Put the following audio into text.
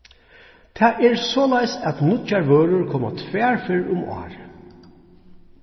tað er soleiðis at nýggjar vørur koma tvær ferðir um árið